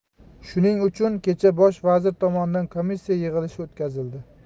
shuning uchun kecha bosh vazir tomonidan komissiya yig'ilishi o'tkazildi